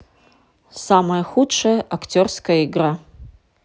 самая худшая актерская игра